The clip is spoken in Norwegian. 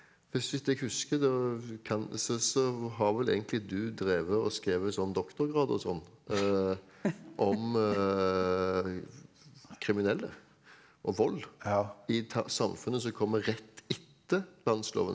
for så vidt jeg husker da kan så så har vel egentlig du drevet å skrevet sånn doktorgrad og sånn om kriminelle og vold i samfunnet som kommer rett etter landsloven.